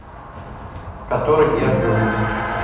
в которой я живу